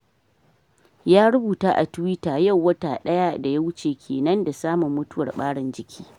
Ya rubuta a Twitter: “Yau wata daya da ya wuce kenen da na samu mutuwar barin jiki.